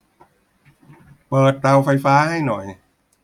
เปิดเตาไฟฟ้าให้หน่อย